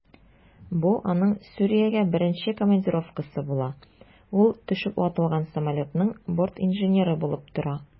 Бу аның Сүриягә беренче командировкасы була, ул төшеп ватылган самолетның бортинженеры булып тора.